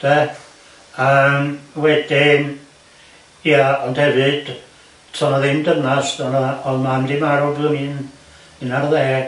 de? yym wedyn ia ond hefyd to' 'na ddim dynas... do' 'na... o'dd mam 'di marw pan oeddwn i'n unarddeg.